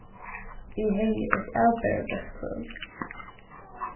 eg hevði eitt avbera gott kvøld